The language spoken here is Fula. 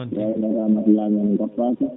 eeyi *